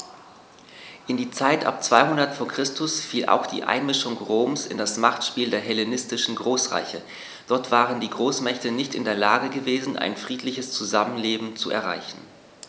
In die Zeit ab 200 v. Chr. fiel auch die Einmischung Roms in das Machtspiel der hellenistischen Großreiche: Dort waren die Großmächte nicht in der Lage gewesen, ein friedliches Zusammenleben zu erreichen.